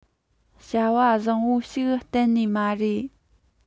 བྱ བ བཟང པོ ཞིག གཏན ནས མ རེད